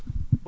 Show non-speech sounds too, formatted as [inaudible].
[hesitation] [hesitation]